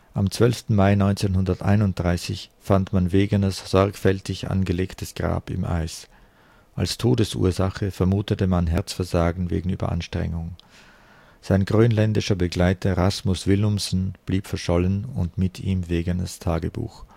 Am 12. Mai 1931 fand man Wegeners sorgfältig angelegtes Grab im Eis. Als Todesursache vermutete man Herzversagen wegen Überanstrengung. Sein grönländischer Begleiter Rasmus Villumsen blieb verschollen und mit ihm Wegeners Tagebuch